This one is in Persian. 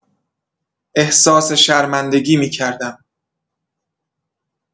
احساس شرمندگی می‌کردم.